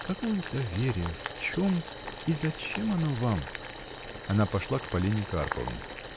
— Какое доверие, в чем и зачем оно вам! Она пошла к Полине Карповне.